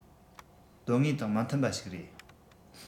དོན དངོས དང མི མཐུན པ ཞིག རེད